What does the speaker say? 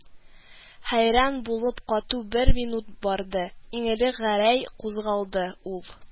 Хәйран булып кату бер минут барды, иң элек Гәрәй кузгалды, ул: